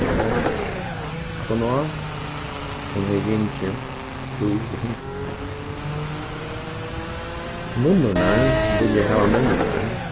við matin aftan á hon hevði gingið túr við hundinum nunnurnar vilja hava menninar